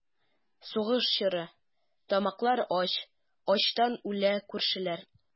Сугыш чоры, тамаклар ач, Ачтан үлә күршеләр.